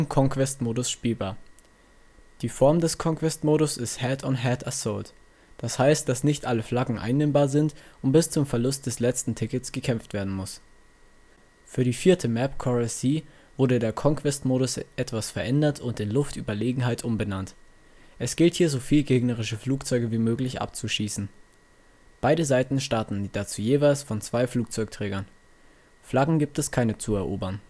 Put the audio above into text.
Conquest-Mode spielbar. Die Form des Conquest-Modus ist „ Head-on-Head Assault “. Das heißt, dass nicht alle Flaggen einnehmbar sind und bis zum Verlust des letzten Tickets gekämpft werden muss. Für die vierte Map Coral Sea wurde der Conquest Modus etwas verändert und in Luftüberlegenheit umbenannt. Es gilt hier soviel gegnerische Flugzeuge wie möglich abzuschießen. Beide Seiten starten dazu jeweils von 2 Flugzeugträgern. Flaggen gibt es keine zu erobern